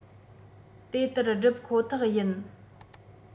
དེ ལྟར བསྒྲུབ ཁོ ཐག ཡིན